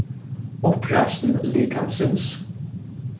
uppreisn likamsins